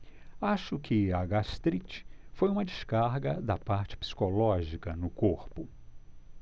acho que a gastrite foi uma descarga da parte psicológica no corpo